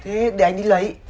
thế để anh đi lấy